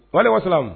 Ko wasa